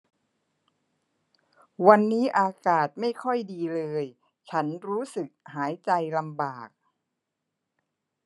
วันนี้อากาศไม่ค่อยดีเลยฉันรู้สึกหายใจลำบาก